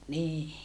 niin